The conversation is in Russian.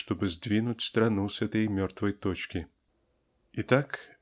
чтобы сдвинуть страну с этой мертвой точки. Итак